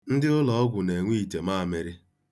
Ndị ụlọọgwu na-enwe itemaamịrị.